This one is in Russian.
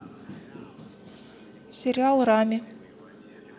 сериал рами